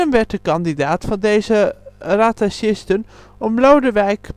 werd de kandidaat van deze rattachisten om Lodewijk